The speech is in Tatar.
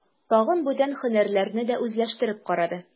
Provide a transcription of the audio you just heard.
Тагын бүтән һөнәрләрне дә үзләштереп карады.